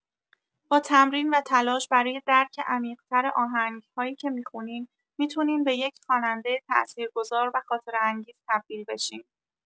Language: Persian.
با تمرین و تلاش برای درک عمیق‌تر آهنگ‌هایی که می‌خونین، می‌تونین به یک خواننده تاثیرگذار و خاطره‌انگیز تبدیل بشین.